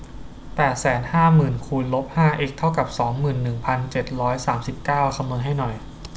แปดแสนห้าหมื่นคูณลบห้าเอ็กซ์เท่ากับสองหมื่นหนึ่งพันเจ็ดร้อยสามสิบเก้าคำนวณให้หน่อย